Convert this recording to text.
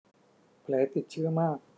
แผลติดเชื้อมาก